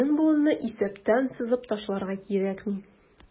Безнең буынны исәптән сызып ташларга кирәкми.